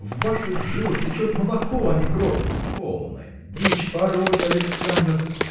в ваших жилах течет молоко, а не кровь. – Полно дичь пороть, Александр!